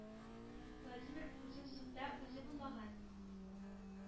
Владимир Путин судта үзе булмаган.